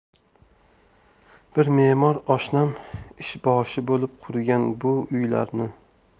bir me'mor oshnam ishboshi bo'lib qurgan bu uylarni